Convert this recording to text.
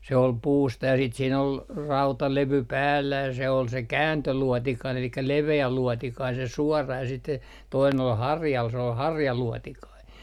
se oli puusta ja sitten siinä oli rautalevy päällä ja se oli se kääntöluotikainen eli leveä luotikainen se suora ja sitten se toinen oli harjalla se oli harjaluotikainen